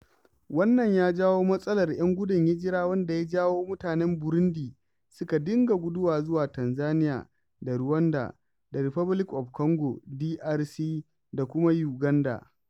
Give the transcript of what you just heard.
Wannan ya jawo matsalar 'yan gudun hijira wanda ya jawo mutanen Burundi suka dinga guduwa zuwa Tanzaniya da Rwanda da Republic of Congo (DRC) da kuma Uganda.